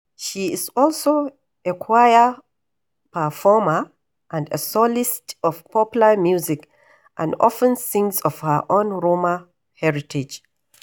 She is also a choir performer and a soloist of popular music and often sings of her own Roma heritage.